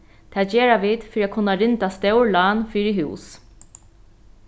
tað gera vit fyri at kunna rinda stór lán fyri hús